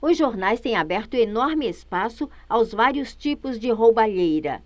os jornais têm aberto enorme espaço aos vários tipos de roubalheira